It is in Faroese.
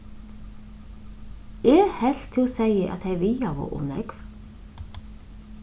eg helt tú segði at tey vigaðu ov nógv